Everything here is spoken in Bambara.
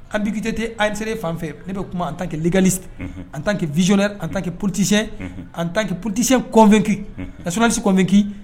An bikite tɛ anseree fan fɛ ne bɛ kuma an ta kɛ glisi an tan kɛzɛ an ta kɛ porotise an tan kɛ ptisiyɛn kɔɔn2ki a sɔsi kɔnmɛki